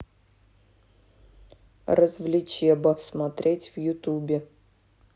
развлечеба смотреть в ютубе